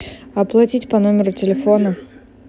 оплатить по номеру телефона